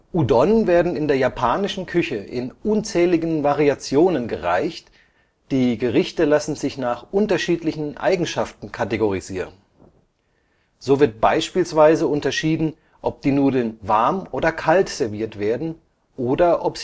Udon werden in der japanischen Küche in unzähligen Variationen gereicht, die Gerichte lassen sich nach unterschiedlichen Eigenschaften kategorisieren. So wird beispielsweise unterschieden, ob die Nudeln warm oder kalt serviert werden, oder ob